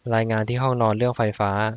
รายงานที่ห้องนอนเรื่องไฟฟ้า